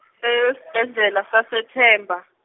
sibhedlela sase Themba.